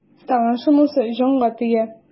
Тагын шунысы җанга тия.